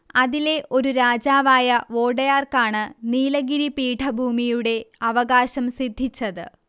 അതിലെ ഒരു രാജാവായ വോഡെയാർക്കാണ് നീലഗിരി പീഠഭൂമിയുടെ അവകാശം സിദ്ധിച്ചത്